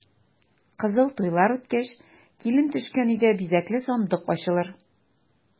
Кызыл туйлар үткәч, килен төшкән өйдә бизәкле сандык ачылыр.